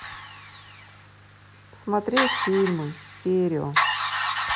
смотреть фильмы стерео